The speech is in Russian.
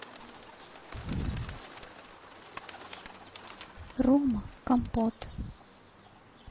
рома компот